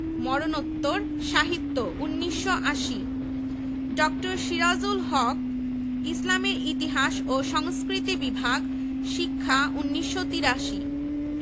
professor Mohammad Kibria চারুকলা অনুষদ চারুকলা ১৯৯৯ সরদার ফজলুল করিম রাষ্ট্রবিজ্ঞান বিভাগ শিক্ষা ২০০০